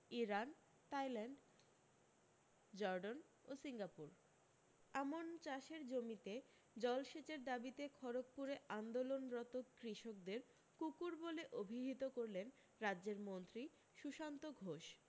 Iran Thailand Jordan ও Singapore আমন চাষের জমিতে জল সেচের দাবীতে খড়গপুরে আন্দোলনরত কৃষকদের কুকুর বলে অভিহিত করলেন রাজ্যের মন্ত্রী সুশান্ত ঘোষ